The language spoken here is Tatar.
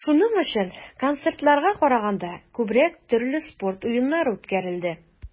Шуның өчен, концертларга караганда, күбрәк төрле спорт уеннары үткәрелде.